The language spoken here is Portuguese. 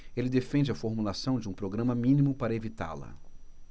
ele defende a formulação de um programa mínimo para evitá-la